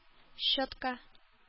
Щетка